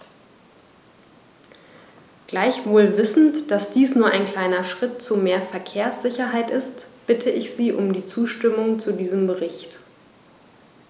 Gleichwohl wissend, dass dies nur ein kleiner Schritt zu mehr Verkehrssicherheit ist, bitte ich Sie um die Zustimmung zu diesem Bericht.